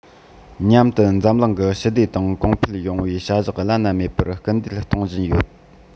མཉམ དུ འཛམ གླིང གི ཞི བདེ དང གོང འཕེལ ཡོང བའི བྱ གཞག བླ ན མེད པར སྐུལ འདེད གཏོང བཞིན ཡོད